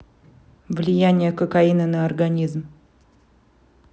влияние кокаина на организм